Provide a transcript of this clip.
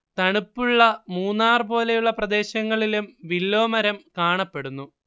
തണുപ്പുള്ള മൂന്നാർ പോലുള്ള പ്രദേശങ്ങളിലും വില്ലൊ മരം കാണപ്പെടുന്നു